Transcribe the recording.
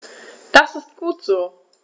Das ist gut so.